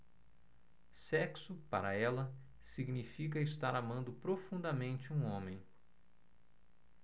sexo para ela significa estar amando profundamente um homem